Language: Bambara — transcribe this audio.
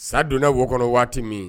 Sa donna wo kɔnɔ waati min